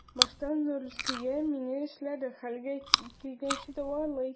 Башта Нурсөя мине эшләрлек хәлгә килгәнче дәвалый.